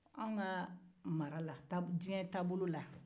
an ka mara la diɲɛ taabolo la